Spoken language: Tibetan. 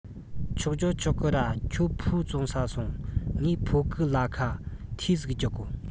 ཆོག རྒྱུའོ ཆོག གི ར ཁྱོད ཕིའོ བཙོང ས སོང ངས ཕིའོ གི ལ ཁ ཐེའུ ཟིག རྒྱག དགོ